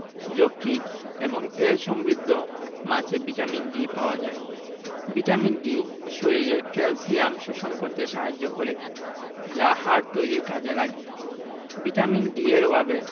যকৃৎ এবং তেল সমৃদ্ধ মাছে ভিটামিন D পাওয়া যায় ভিটামিন D শরীরে ক্যালসিয়াম শোষণ করতে সাহায্য করে যা হাড় তৈরীর কাজে লাগে ভিটামিন D এর অভাবে